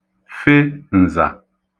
fe ǹzà